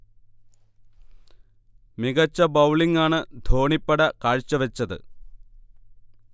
മികച്ച ബൌളിംഗ് ആണ് ധോണിപ്പട കാഴ്ച വെച്ചത്